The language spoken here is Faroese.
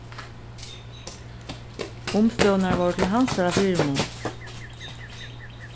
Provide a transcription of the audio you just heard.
umstøðurnar vóru til hansara fyrimun